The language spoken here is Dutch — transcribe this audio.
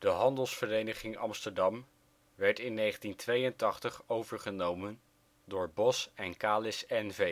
Handelsvereniging Amsterdam werd in 1982 overgenomen door Bos & Kalis NV